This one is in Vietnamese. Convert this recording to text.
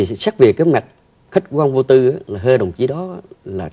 xét về cái mặt khách quan vô tư là hai đồng chí đó là